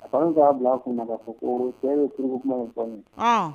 A fa k' bila a kuma ma'a fɔ ko ye kuruko kuma